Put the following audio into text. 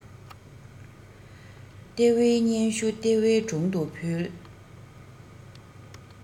ལྟེ བའི སྙན ཞུ ལྟེ བའི དྲུང དུ ཕུལ